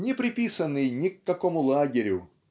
Не приписанный ни к какому лагерю